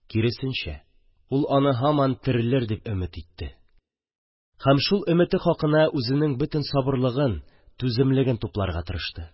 Киресенчә, ул аны һаман терелер дип өмет итте һәм шул өмете хакына үзенең бөтен сабырлыгын, түземлеген тупларга тырышты